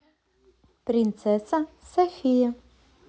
принцесса софия